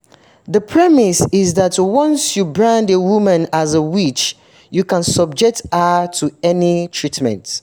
The premise is that once you brand a woman as a witch, you can subject her to any treatment.